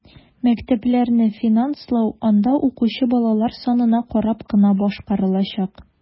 Мәктәпләрне финанслау анда укучы балалар санына карап кына башкарылачак.